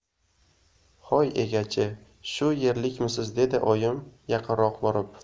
hoy egachi shu yerlikmisiz dedi oyim yaqinroq borib